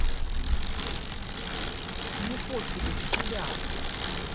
мне пофигу в себя